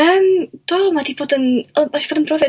ymm do ma' 'di bod yn brofiad